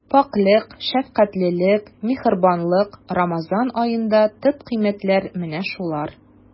Пакьлек, шәфкатьлелек, миһербанлык— Рамазан аенда төп кыйммәтләр менә шулар.